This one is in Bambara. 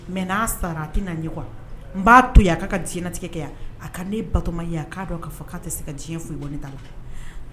Mɛ n'a sara a tɛ na ɲɛ kuwa n b'a to a'a ka dɲɛnatigɛ kɛ yan a ka batoma k'a dɔn' fɔ k'a tɛ se ka d diɲɛ foyi i bɔ ta